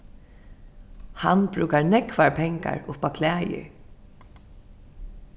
hann brúkar nógvar pengar uppá klæðir